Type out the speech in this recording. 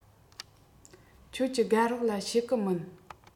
ཁྱོད ཀྱི དགའ རོགས ལ བཤད གི མིན